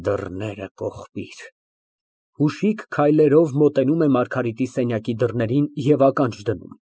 Դռները կողպիր. (Հուշիկ նայելով մոտենում է Մարգարիտի սենյակի դռներին և ականջ դնում։